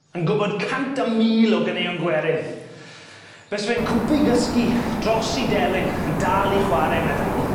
yn gwbod cant a mil o ganeuon gwerin. Fe se fe'n cwmpo i gysgu dros 'i delyn yn dal i chware medden nw.